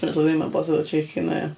'Di o'm yn blasu fatha chicken ddo, ia.